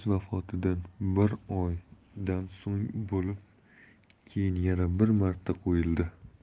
so'ng bo'lib keyin yana bir marta qo'yildi